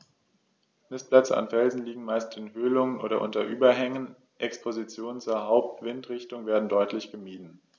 Nistplätze an Felsen liegen meist in Höhlungen oder unter Überhängen, Expositionen zur Hauptwindrichtung werden deutlich gemieden.